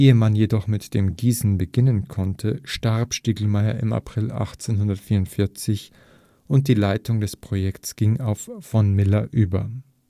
man jedoch mit dem Gießen beginnen konnte, starb Stiglmaier im April 1844, und die Leitung des Projekts ging auf v. Miller über